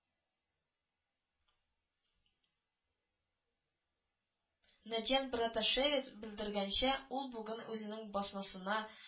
Недьян Браташевец белдергәнчә, ул бүген, үзенең басмасына